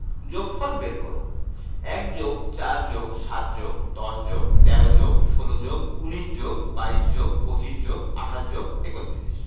যোগফল বের করঃ ১যোগ৪যোগ৭যোগ১০যোগ১৩যোগ১৬যোগ১৯যোগ২২যোগ২৫যোগ২৮যোগ৩১